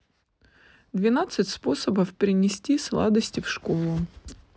двенадцать способов принести сладости в школу